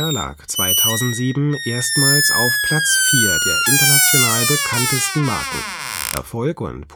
lag 2007 erstmals auf Platz Vier der international bekanntesten Marken) weckten